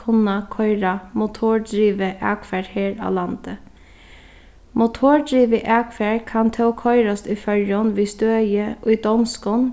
kunna koyra motordrivið akfar her á landi motordrivið akfar kann tó koyrast í føroyum við støði í donskum